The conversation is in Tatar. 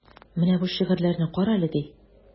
Менә бу шигырьләрне карале, ди.